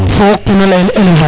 fo ke na leyel élevage